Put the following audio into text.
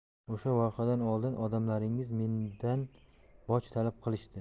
o'sha voqeadan oldin odamlaringiz mendan boj talab qilishdi